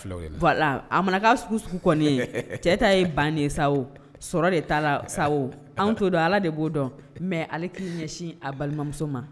A sugu sugu cɛ ye ban sa sɔrɔ de t' sa anw to don ala de b'o dɔn mɛ ale kkii ɲɛsin a balimamuso ma